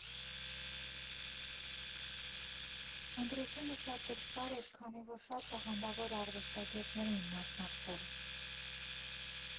«Ընտրությունը շատ դժվար էր, քանի որ շատ տաղանդավոր արվեստագետներ էին մասնակցել։